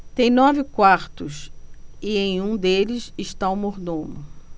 tem nove quartos e em um deles está o mordomo